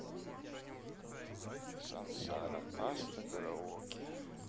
сансара баста караоке